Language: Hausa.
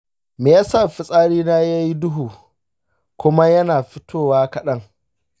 me yasa fitsari na ya yi duhu kuma yana fitowa kaɗan?